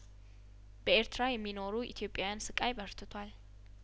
በኤርትራ የሚኖሩ ኢትዮጵያውያን ስቃይበርትቷል